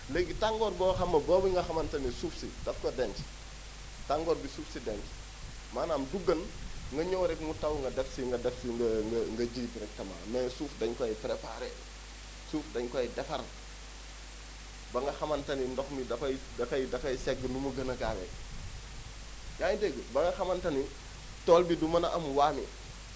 léegi tàngoor booxam ne boobu nga xamante ni suuf si daf ko denc tàngoor bi suuf si denc maanaam lu gën nga ñëw rek mu taw nga defsi nga def si nga nga nga ji directement mais suuf dañu koy préparé suuf dañu koy defar ba nga xamante ni ndox mi da koy da koy da koy seggee nu mu gën a gaawee yaa ngi dégg ba nga xamante ni tool bi du mën a am waame